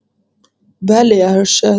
بله ارشد